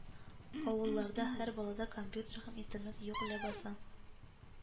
Авылларда һәр балада компьютер һәм Интернет юк ләбаса